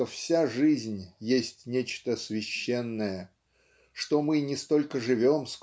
что вся жизнь есть нечто священное что мы не столько живем